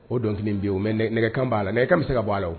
O donkili in bɛ yen o, mais nɛgɛ kan b'a la nɛgɛ kan bɛ se ka bɔ a la wo!